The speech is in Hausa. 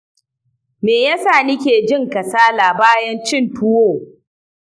me yasa nike jin kasala bayan cin tuwo?